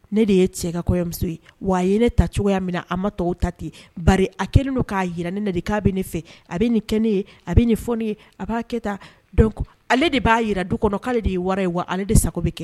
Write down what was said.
Ne de ye cɛ ka kɔɲɔmuso ye wa, a ye ne ta cogoya min na, a ma tɔw ta ten, bari a kɛlen don k'a jira ne na de, k'a bɛ ne fɛ, a bɛ nin kɛ ne ye, a bɛ nin fɔ ne ye, a b'a kɛ tan, donc ale de b'a jira du kɔnɔ k'ale de ye wara ye wa ale de sago bɛ kɛ